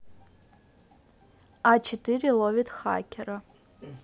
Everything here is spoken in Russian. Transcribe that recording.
а четыре ловит хакера